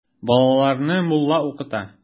Балаларны мулла укыта.